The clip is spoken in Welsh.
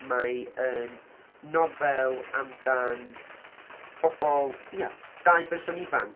Mae yn nofel amdan bobl, ia dau berson ifanc